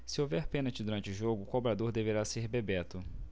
se houver pênalti durante o jogo o cobrador deverá ser bebeto